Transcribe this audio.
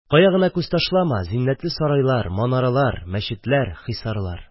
Кая гына күз ташлама – зиннәтле сарайлар, манаралар, мәчетләр, һисарлар...